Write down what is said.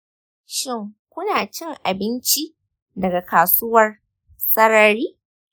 shin kuna cin abinci daga kasuwar sarari